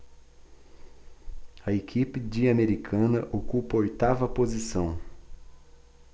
a equipe de americana ocupa a oitava posição